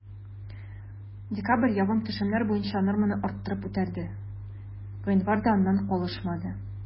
Декабрь явым-төшемнәр буенча норманы арттырып үтәде, гыйнвар да аннан калышмады.